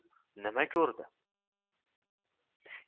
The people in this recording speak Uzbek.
nima ko'rdi